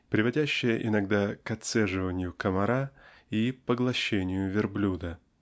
приводящая иногда к оцеживанию комара и поглощению верблюда.